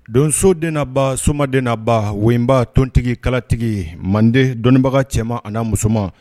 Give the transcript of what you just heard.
Donsoden naba suden naba wba tontigi kalatigi manden dɔnniibaga cɛman ani naa musoman